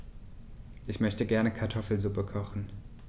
Ich möchte gerne Kartoffelsuppe kochen.